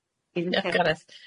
Yy Gareth.